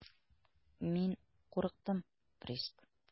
Мин курыктым, Приск.